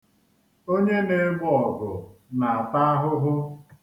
Onye na-egbo ọgụ na-ata ahụhụ.